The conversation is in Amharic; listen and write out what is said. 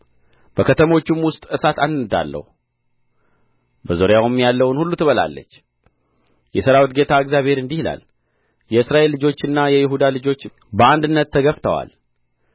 በከተሞቹም ውስጥ እሳት አነድዳለሁ በዙሪያውም ያለውን ሁሉ ትበላለች የሠራዊት ጌታ እግዚአብሔር እንዲህ ይላል የእስራኤል ልጆችና የይሁዳ ልጆች በአንድነት ተገፍተዋል